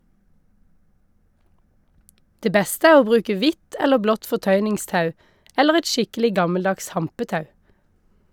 Det beste er å bruke hvitt eller blått fortøyningstau eller et skikkelig gammeldags hampetau.